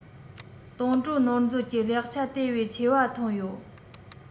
གཏོང སྤྲོད ནོར མཛོད ཀྱི ལེགས ཆ དེ བས ཆེ བ ཐོན ཡོད